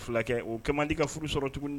Fulakɛ o kɛ ma di ka furu sɔrɔ tuguni